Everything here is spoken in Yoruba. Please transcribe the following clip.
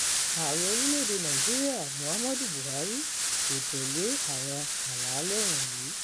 Ààrẹ orílẹ̀-èdè Nàìjíríà Muhammadu Buhari kò tẹ̀lé àwọn àlàálẹ̀ wọ̀nyí.